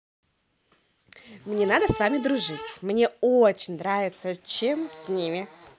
мне надо с вами дружить мне очень нравится чем с ними